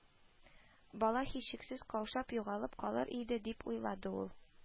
Бала һичшиксез каушап, югалып калыр иде дип уйлады ул